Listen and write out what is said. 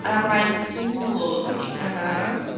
And I'm like "Ww falle".